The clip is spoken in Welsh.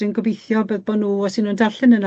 Dwi'n gobeithio by- bo' n'w os 'yn nw'n darllen yn